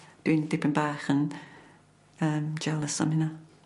dwi'n dipyn bach yn yn jealous am hynna.